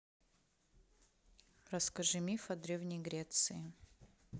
расскажи миф о древней греции